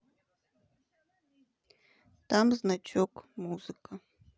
там значок музыка